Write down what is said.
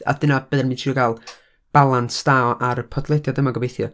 A dyna be dan ni'n trio gael, balans da ar y podlediad yma gobeithio.